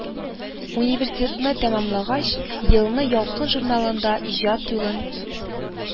Университетны тәмамлагач, елны “Ялкын” журналында иҗат юлын